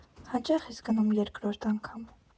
Հաճա՞խ ես գնում երկրորդ անգամ։